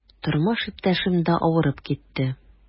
Тормыш иптәшем дә авырып китте.